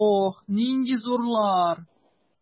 Ох, нинди зурлар!